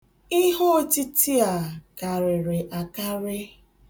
Iheotiti a karịrị akarị.